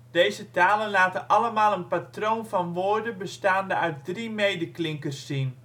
Deze talen laten allemaal een patroon van woorden bestaande uit drie medeklinkers zien